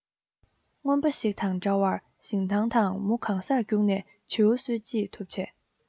རྔོན པ ཞིག དང འདྲ བར ཞིང ཐང དང མུ གང སར བརྒྱུགས ནས བྱིའུ གསོད ཅི ཐུབ བྱེད